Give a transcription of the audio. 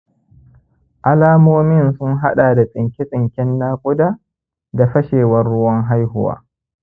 alamomin sun haɗa da tsinke-tsinken nakuda da fashewar ruwan haihuwa.